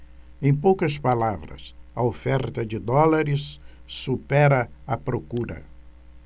em poucas palavras a oferta de dólares supera a procura